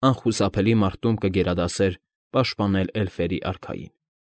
Անխուսափելի մարտում կգերադասեր պաշտպանել էլֆերի արքային։